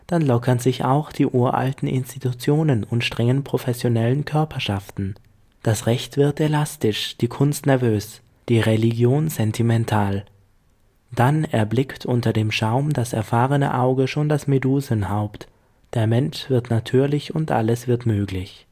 lockern sich auch die uralten Institutionen und strengen professionellen Körperschaften: das Recht wird elastisch, die Kunst nervös, die Religion sentimental. Dann erblickt unter dem Schaum das erfahrene Auge schon das Medusenhaupt, der Mensch wird natürlich und alles wird möglich